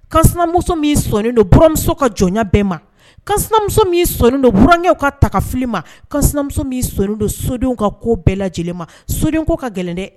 Kansinamuso min sɔnnen don buramuso ka jɔnya bɛɛ ma kansinamuso min sɔnnen don burankɛw ka taka fili ma kansinamuso min sɔnnen don sodenw ka ko bɛɛ lajɛlen ma soden ko ka gɛlɛn dɛ